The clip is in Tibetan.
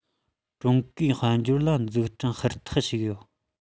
ཀྲུང གོའི དཔལ འབྱོར ལ འཛུགས སྐྲུན ལ ཧུར ཐག ཞུགས ཡོད